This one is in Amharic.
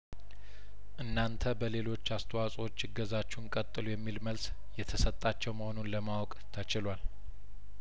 እናንተ በሌሎች አስተዋጽኦዎች እገዛችሁን ቀጥሉ የሚል መልስ የተሰጣቸው መሆኑን ለማወቅ ተችሏል